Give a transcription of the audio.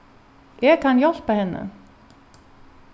eg kann hjálpa henni